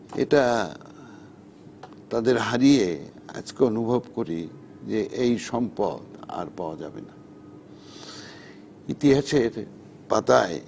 এটা তাদের হারিয়ে আজকে অনুভব করি যে এই সম্পদ আর পাওয়া যাবে না ইতিহাসের পাতায়